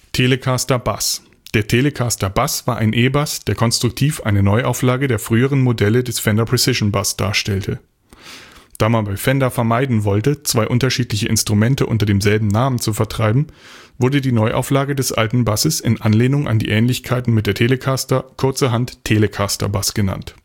Telecaster Bass – Der „ Telecaster Bass “war ein E-Bass, der konstruktiv eine Neuauflage der frühen Modelle des Fender Precision Bass darstellte. Da man bei Fender vermeiden wollte, zwei unterschiedliche Instrumente unter demselben Namen zu vertreiben, wurde die Neuauflage des alten Basses in Anlehnung an die Ähnlichkeiten mit der Telecaster kurzerhand „ Telecaster Bass “genannt